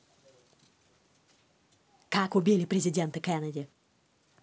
как убили президента кеннеди